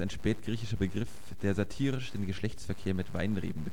spätgriechischer Begriff, der satirisch den Geschlechtsverkehr mit Weinreben